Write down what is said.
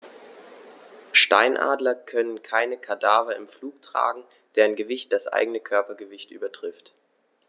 Steinadler können keine Kadaver im Flug tragen, deren Gewicht das eigene Körpergewicht übertrifft.